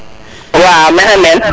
waaw maxey men